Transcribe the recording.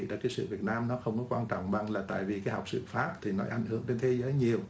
thì tại cái sử việt nam nó không quan trọng bằng là tại vì học sử pháp thì nó ảnh hưởng tới thế giới nhiều